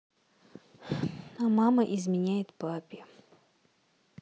а мама изменяет папе